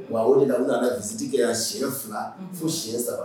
Wa a olu de an bɛna ka zdi kɛ yan si fila furu siyɛn saba